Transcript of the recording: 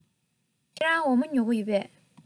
ཁྱེད རང འོ མ ཉོ གི ཡོད པས